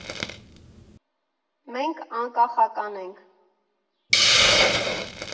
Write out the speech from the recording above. Մենք անկախական ենք։